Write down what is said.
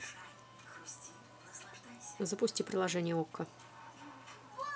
запусти приложение окко